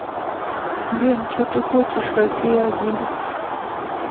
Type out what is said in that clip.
лен ты че хочешь россия один